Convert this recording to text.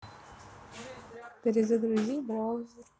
перезагрузи браузер